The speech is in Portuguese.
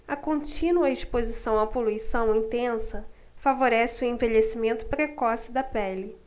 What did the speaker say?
a contínua exposição à poluição intensa favorece o envelhecimento precoce da pele